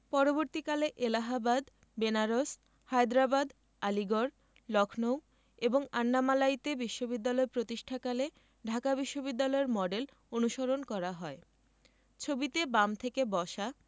পরবর্তীকালে এলাহাবাদ বেনারস হায়দ্রাবাদ আলীগড় লক্ষ্ণৌ এবং আন্নামালাইতে বিশ্ববিদ্যালয় প্রতিষ্ঠাকালে ঢাকা বিশ্ববিদ্যালয়ের মডেল অনুসরণ করা হয় ছবিতে বাম থেকে বসা